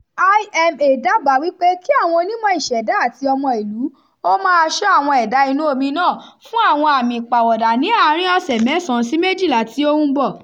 IMA dábàá wípé kí àwọn onímọ̀ ìṣẹ̀dá àti ọmọ ìlú ó máa ṣọ́ àwọn ẹ̀dá inú omi náà fún àwọn àmì ìpàwọ̀dà ní àárín-in ọ̀sẹ̀ mẹ́sàn-án sí méjìlá tí ó ń bọ̀.